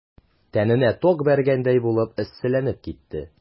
Тәненә ток бәргәндәй булып эсселәнеп китте.